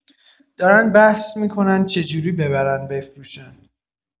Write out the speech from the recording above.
دارن بحث می‌کنن چه جوری ببرن بفروشن